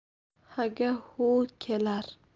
haga hu kelar